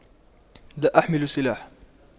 لا أحمل سلاح